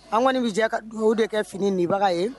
An kɔni bɛ jɛ dugu o de kɛ fini nibaga ye